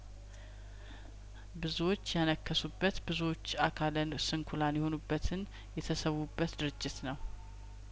ብዙዎች ያነከሱበት ብዙዎች አካለስንኩላን የሆኑበትን የተሰዉበት ድርጅት ነው